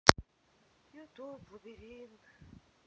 ютуб лабиринт